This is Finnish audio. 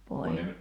-